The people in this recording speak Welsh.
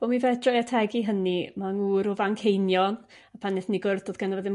Wel mi fedrai ategi hynni ma' ngŵr o Fanceinion a pan nath ni gwrdd doedd genno fo ddim